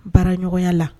Baara ɲɔgɔnya la